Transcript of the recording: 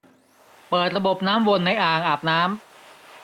เปิดระบบน้ำวนในอ่างอาบน้ำ